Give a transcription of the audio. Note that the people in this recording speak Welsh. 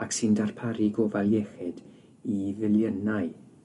ac sy'n darparu gofal iechyd i filiynau